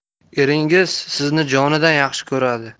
eringiz sizni jonidan yaxshi ko'radi